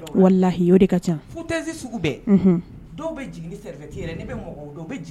Dɔw bɛ jigin